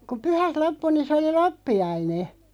kun pyhät loppui niin se oli loppiainen